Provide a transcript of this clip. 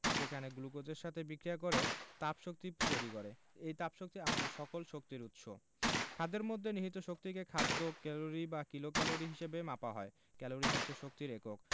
সেখানে গ্লুকোজের সাথে বিক্রিয়া করে তাপশক্তি তৈরি করে এবং এই তাপশক্তি আমাদের সকল শক্তির উৎস খাদ্যের মধ্যে নিহিত শক্তিকে খাদ্য ক্যালরি বা কিলোক্যালরি হিসেবে মাপা হয় ক্যালরি হচ্ছে শক্তির একক